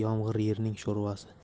yomg'ir yerning sho'rvasi